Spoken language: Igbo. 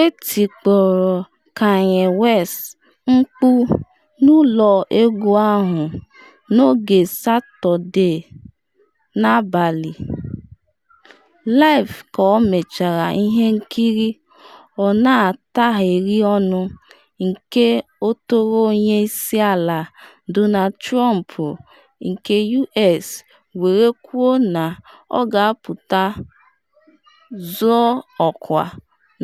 Etikporo Kanye West mkpu n’ụlọ egwu ahụ n’oge Saturday Night Live ka ọ mechara ihe nkiri ọ na-atagheri ọnụ nke otoro Onye Isi Ala Donald Trump nke U.S. were kwuo na ọ ga-apụta zọọ ọkwa